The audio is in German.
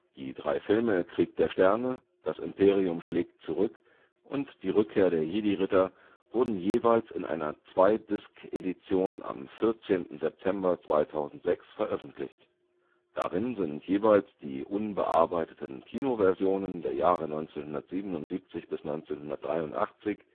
Die drei Filme Krieg der Sterne, Das Imperium schlägt zurück und Die Rückkehr der Jedi-Ritter wurden jeweils in einer 2-Disc-Edition am 14. September 2006 veröffentlicht. Darin sind jeweils die unbearbeiteten Kinoversionen der Jahre 1977 bis 1983